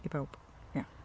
I bawb. Ia.